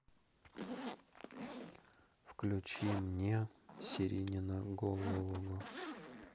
включи мне сиреноголового